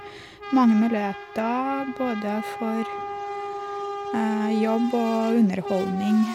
Mange muligheter, både for jobb og underholdning.